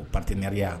O patetɛɛya